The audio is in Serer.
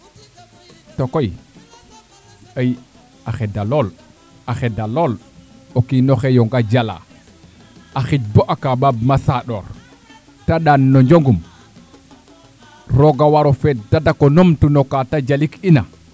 to koy ay a xeda lool a xeda lool o kiino xe yonga jala o xij bo a kaɓaama saloor ta ɗaan no njongum roga waro feed to dako num tu noka te jalik ina